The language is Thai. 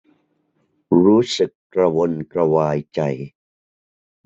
รู้สึกกระวนกระวายใจ